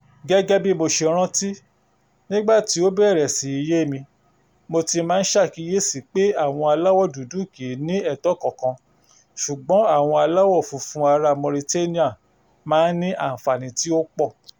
Gẹ́gẹ́ bí mo ṣe rántí, nígbà tí ó bẹ̀rẹ̀ sí í yé mi, mo ti máa ń ṣàkíyèsí pé àwọn aláwọ̀ dúdú kì í ní ẹ̀tọ́ kankan, ṣùgbọ́n àwọn aláwọ̀ funfun ará Mauritania máa ń ní àǹfààní tí ó pọ̀.